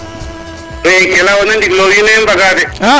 e ke leyona ndiglo wiin we mbay mbaga de